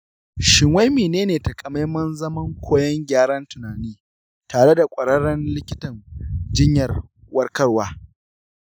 shin wai menene taƙamaiman zaman koyon gyaran tunani tare da ƙwararren likitan jinyar warkarwa?